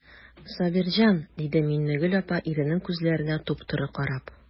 Сабирҗан,– диде Миннегөл апа, иренең күзләренә туп-туры карап.